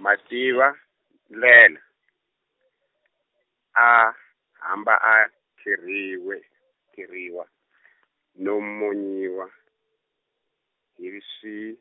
Mativandlela , a, hamba a khirhiwe- khirhiwa , no monyiwa, hi vi swi,